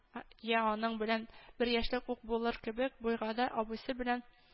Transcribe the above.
Я аның белән бер яшлек ук булыр көбек, буйгада абыйсы белән